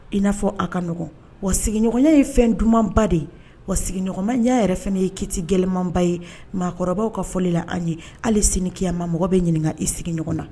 I n'a fɔ a ka nɔgɔn, wa sigiɲɔgɔnya ye fɛn dumanba de , wa sigiɲɔgɔnmaya yɛrɛ fana ye kiti gɛlɛnmanba ye, maakɔrɔbaw ka foli la an ye ,hali sini kiyama mɔgɔ bɛ ɲininka i sigiɲɔgɔn na.